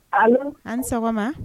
Allo ani sɔgɔma!